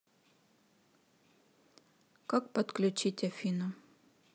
как подключить афину